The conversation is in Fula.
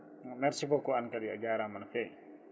merci beaucoup an kadi a jarama no fewi